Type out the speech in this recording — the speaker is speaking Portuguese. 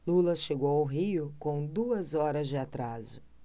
lula chegou ao rio com duas horas de atraso